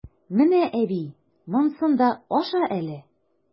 Менә, әби, монсын да аша әле!